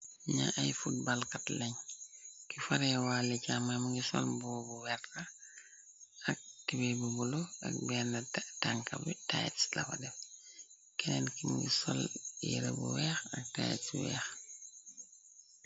Na ay futbal kat lañ ki farewalle jamam ngi sol boobu werta ak tibe bu bulo ak benn tanka bi tits lawa def keneen ki ngi sol yere bu weex ak tayt si weex.